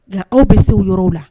Nka aw bɛ se yɔrɔw la